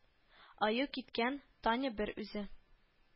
Аю киткән, Таня бер үзе